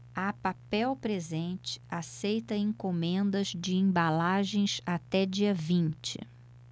a papel presente aceita encomendas de embalagens até dia vinte